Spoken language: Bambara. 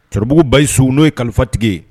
Cɛkɔrɔbaugubayi so n'o ye kalifatigi ye